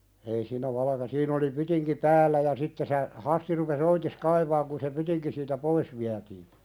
ei siinä valkea siinä oli pytinki päällä ja sitten se Hasti rupesi oitis kaivamaan kun se pytinki siitä pois vietiin